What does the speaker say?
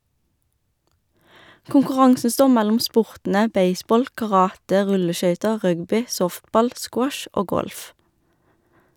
Konkurransen står mellom sportene baseball, karate, rulleskøyter, rugby, softball, squash og golf.